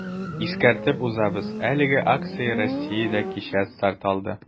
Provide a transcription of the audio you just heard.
Искәртеп узабыз, әлеге акция Россиядә кичә старт алды.